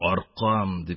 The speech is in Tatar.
Аркам,-дип